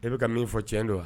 E bɛ ka min fɔ tiɲɛ don wa